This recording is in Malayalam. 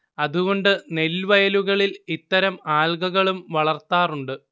അതുകൊണ്ട് നെൽവയലുകളിൽ ഇത്തരം ആൽഗകളും വളർത്താറുണ്ട്